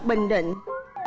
bình định